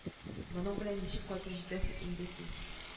Моның белән ничек кайтып җитәсең инде син